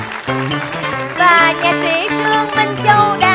và nhạc sĩ trương minh châu